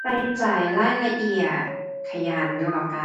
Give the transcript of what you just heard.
ใส่ใจรายละเอียด ขยัน แล้วก็